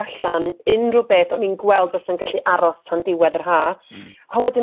allan unrhyw beth o'n i'n gweld fysa'n gallu aros tan ddiwedd yr ha' a wedyn